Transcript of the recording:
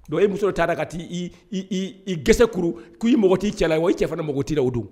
Don i muso taara la ka taa gese kuru k'i' cɛla la o ye cɛ fana mɔgɔ t tɛ la o don